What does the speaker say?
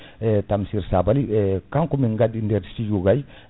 e Tamsir Sabaly kanko min gaddi nder studio gay